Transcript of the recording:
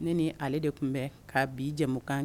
Ne ni ale de tunbɛn ka bi jamukan